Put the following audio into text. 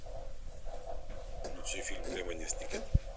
включи фильм лемони сникет